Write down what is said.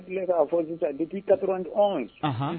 Tile k fɔ' katura di ye